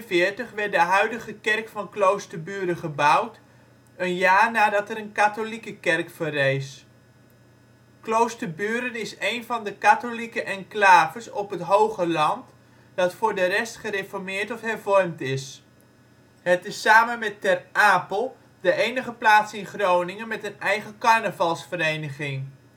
1843 werd de huidige kerk van Kloosterburen gebouwd, een jaar nadat er een katholieke kerk verrees. Kloosterburen is één van de katholieke enclaves op het Hogeland dat voor de rest gereformeerd of hervormd is. Het is samen met Ter Apel de enige plaats in Groningen met een eigen carnavalsvereniging